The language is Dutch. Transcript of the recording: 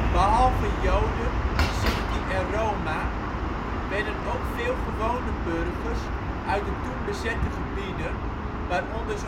Behalve Joden, Sinti en Roma werden ook veel gewone burgers uit de toen bezette gebieden, waaronder